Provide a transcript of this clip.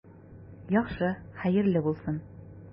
Яхшы, хәерле булсын.